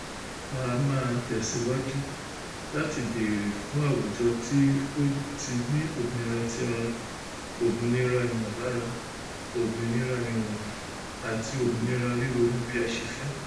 A máa tẹ̀síwajú láti béèrè fún àwùjọ tí a óò ti ní òmìnira ti ara, òmìnira ìmọ̀lára, òmìnira ìrìn àti òmìnira ríronú bí a ṣe fẹ́.